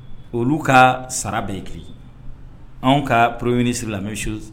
Olu ka sara bɛɛ fili anw ka poroy siri lasu